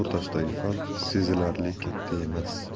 o'rtasidagi farq sezilarli katta emas